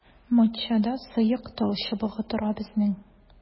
Матчада сыек талчыбыгы тора безнең.